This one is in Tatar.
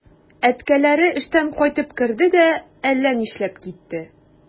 Әткәләре эштән кайтып керде дә әллә нишләп китте.